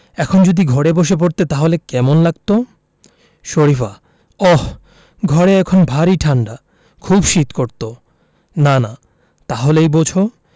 তোর এত বুদ্ধি জোয়ান ছেলে দুদিনেই তুই লাখ টাকা জমাতে পারবি তখন আমার কিছু একটা জিনিস এনে দিবি কি বলো দিবি তো কি চাও বলো